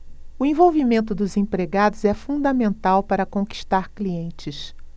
o envolvimento dos empregados é fundamental para conquistar clientes